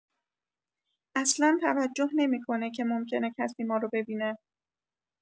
اصلا توجه نمی‌کنه که ممکنه کسی مارو ببینه